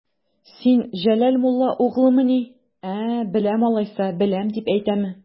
Син Җәләл мулла угълымыни, ә, беләм алайса, беләм дип әйтәме?